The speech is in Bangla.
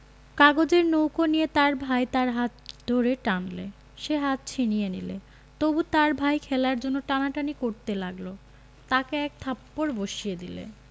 কাগজের নৌকো নিয়ে তার ভাই তার হাত ধরে টানলে সে হাত ছিনিয়ে নিলে তবু তার ভাই খেলার জন্যে টানাটানি করতে লাগল তাকে এক থাপ্পড় বসিয়ে দিলে